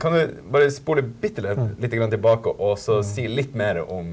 kan du bare spole bitte lite grann tilbake og så si litt mere om